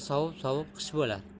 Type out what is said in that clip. sovib sovib qish bo'lar